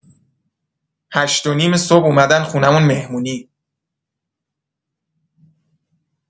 هشت‌ونیم صبح اومدن خونمون مهمونی!